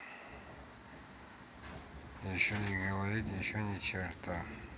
еще и говорит еще ни черта